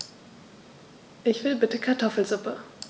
Ich will bitte Kartoffelsuppe.